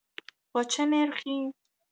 با چه نرخی؟